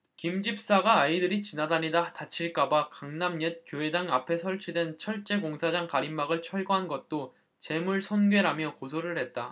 김 집사가 아이들이 지나다니다 다칠까 봐 강남 옛 교회당 앞에 설치된 철제 공사장 가림막을 철거한 것도 재물손괴라며 고소를 했다